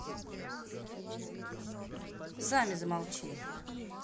сами замолчи